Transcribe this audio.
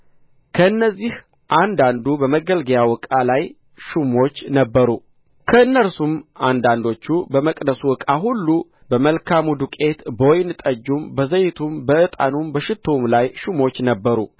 ከእነዚህ አንዳንዱ በማገልገያው ዕቃ ላይ ሹሞች ነበሩ ከእነርሱም አንዳንዶቹ በመቅደሱ ዕቃ ሁሉ በመልካሙም ዱቄት በወይን ጠጁ በዘይቱም በዕጣኑም በሽቱውም ላይ ሹሞች ነበሩ